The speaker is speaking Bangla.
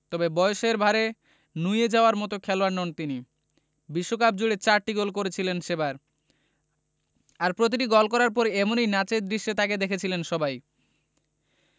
তবে বয়সের ভাঁড়ে নুয়ে যাওয়ার মতো খেলোয়াড় নন তিনি বিশ্বকাপজুড়ে চারটি গোল করেছিলেন সেবার আর প্রতিটি গোল করার পর এমনই নাচের দৃশ্যে তাঁকে দেখেছিলেন সবাই